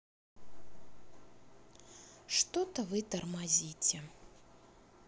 что то вы тормозите